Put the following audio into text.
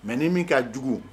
Mɛ ni min ka jugu